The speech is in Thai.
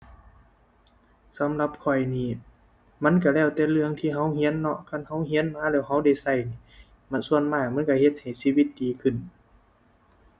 สำหรับข้อยนี่ มันก็แล้วแต่เรื่องที่ก็ก็เนาะ คันก็ก็มาแล้วก็ได้ก็หนิ มันส่วนมากมันก็เฮ็ดให้ชีวิตดีขึ้น